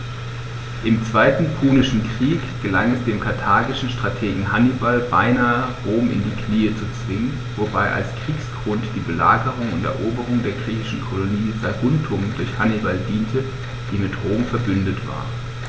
Im Zweiten Punischen Krieg gelang es dem karthagischen Strategen Hannibal beinahe, Rom in die Knie zu zwingen, wobei als Kriegsgrund die Belagerung und Eroberung der griechischen Kolonie Saguntum durch Hannibal diente, die mit Rom „verbündet“ war.